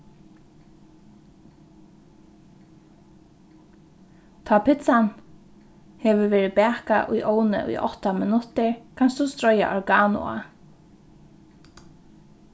tá pitsan hevur verið bakað í ovni í átta minuttir kanst tú stroya oregano á